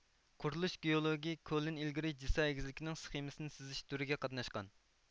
قۇرۇلۇش گېئولوگى كولىن ئىلگىرى جىسا ئېگىزلىكىنىڭ سخېمىسىنى سىزىش تۈرىگە قاتناشقان